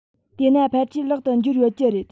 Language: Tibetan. དེས ན ཕལ ཆེར ལག ཏུ འབྱོར ཡོད ཀྱི རེད